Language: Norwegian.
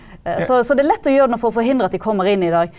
så så det er lett å gjøre noe for å forhindre at de kommer inn i dag.